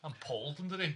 Mae'n bold yndydi?